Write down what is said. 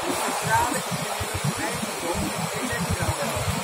centrale is inmiddels eigendom van Electrabel